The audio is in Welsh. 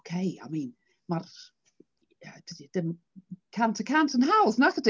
Ocei I mean mae'r ia dydy dim cant y cant yn hawdd nac ydi?